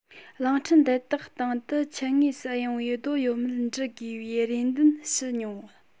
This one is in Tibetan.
གླིང ཕྲན དེ དག སྟེང དུ ཆུ ངོས སུ གཡེང བའི རྡོ ཡོད མེད འདྲི དགོས པའི རེ འདུན ཞུ མྱོང ལ